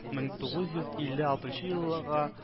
Мең тугыз йөз илле алтынчы еллыга